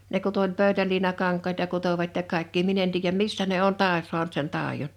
ne kutoi oli pöytäliinakankaita kutoivat ja kaikkia minä en tiedä missä ne on - saanut sen taidon